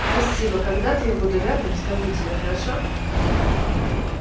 спасибо когда то я буду рядом скажу тебе хорошо